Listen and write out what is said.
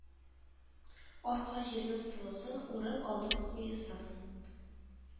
Арка җирнең солысын урып алдым куесын